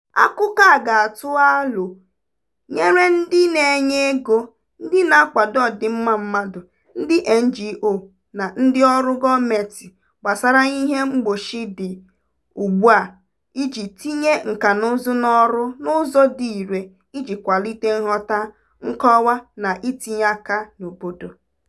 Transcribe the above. Akụkọ a ga-atụ alo nyere ndị na-enye ego, ndị na-akwado ọdịmma mmadụ, ndị NGO, na ndịọrụ gọọmentị gbasara ihe mgbochi dị ugbua iji tinye nkànaụzụ n'ọrụ n'ụzọ dị irè iji kwalite nghọta, nkọwa, na itinye aka n'obodo.